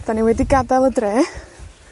'Dan ni wedi gadael y dre.